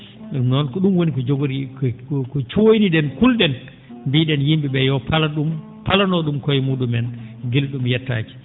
?um noon ko ?um woni ko njogorii ko ko cooyni?en kul?en mbii?en yim?e ?ee yo palo ?um palanoo ?um koye muu?umen gila ?um yettaaki